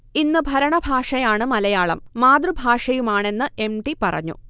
ഇന്ന്ഭരണഭാഷയാണ് മലയാളം, മാതൃഭാഷയുമാണെന്ന് M. T പറഞ്ഞു